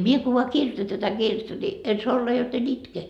minä kun vain kirjoitan tätä kirjettä niin en saa olla jotta en itke